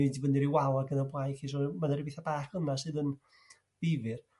i fynd i fyny ryw wal ag yn y blaen 'lly so n- m' 'na ryw betha' f'yma sydd yn ddifyr.